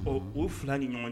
Ɔ o fila ni ɲɔgɔn